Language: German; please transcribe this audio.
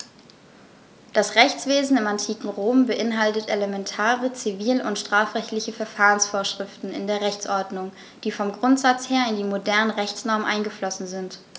Das Rechtswesen im antiken Rom beinhaltete elementare zivil- und strafrechtliche Verfahrensvorschriften in der Rechtsordnung, die vom Grundsatz her in die modernen Rechtsnormen eingeflossen sind.